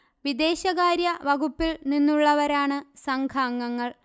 വിദേശകാര്യ വകുപ്പിൽ നിന്നുള്ളവരാണ് സംഘാംഗങ്ങൾ